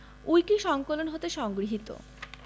উইকিসংকলন হতে সংগৃহীত